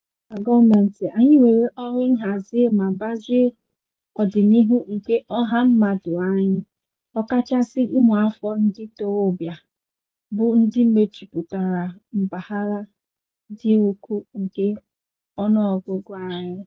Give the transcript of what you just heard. Dịka Gọọmenti anyị nwere ọrụ ịhazi ma gbazie ọdịnihu nke ọha mmadụ anyị, ọkachasị ụmụafọ ndị ntorobịa, bụ ndị mejupụtara mpaghara dị ukwuu nke ọnụọgụgụ anyị.